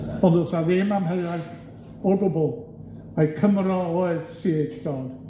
Ond do's 'na ddim amheuaeth o gwbwl mai Cymro oedd See Haitch Dodd